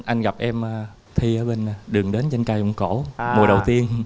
anh gặp em ơ thi ở bên đường đến danh ca giọng cổ mùa đầu tiên